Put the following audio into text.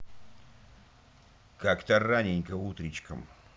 как то раненько утричком